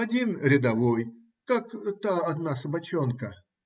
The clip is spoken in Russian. Один рядовой, как та одна собачонка.